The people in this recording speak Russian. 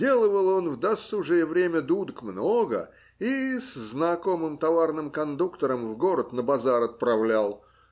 Делывал он в досужее время дудок много и с знакомым товарным кондуктором в город на базар отправлял